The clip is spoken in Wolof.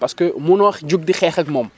parce que munoo jug di xeex ak moom